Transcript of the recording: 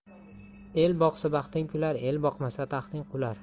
el boqsa baxting kular el boqmasa taxting qular